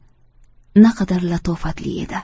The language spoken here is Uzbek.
naqadar latofatli edi